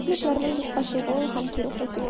Гопникларның юкка чыгуы һәм кире кайтуы